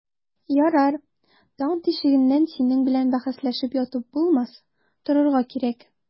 Ярар, таң тишегеннән синең белән бәхәсләшеп ятып булмас, торырга кирәк.